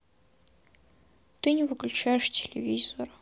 ты не выключаешь телевизор